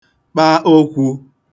kpa okwū